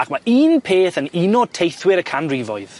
Ac ma' un peth yn uno teithwyr y canrifoedd